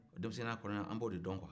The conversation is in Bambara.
denmisɛnya kɔnɔ an b'o de dɔn kuwa